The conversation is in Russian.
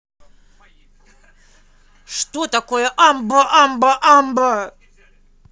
что такое амба амба амба